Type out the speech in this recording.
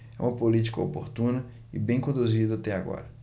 é uma política oportuna e bem conduzida até agora